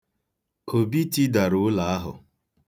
Obi tidara ụlọ ahụ.